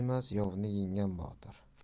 emas yovni yengan botir